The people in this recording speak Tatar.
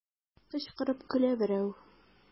Кычкырып көлә берәү.